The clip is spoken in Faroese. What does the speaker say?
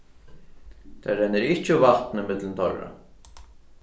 tað rennur ikki vatn ímillum teirra